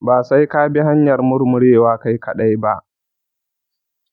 ba sai ka bi hanyar murmurewa kai kaɗai ba.